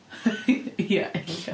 Ia, ella.